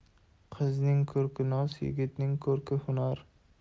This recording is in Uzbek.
qizning ko'rki noz yigitning ko'rki hunar